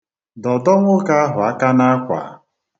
Dọdo nwoke ahụ aka n'akwa.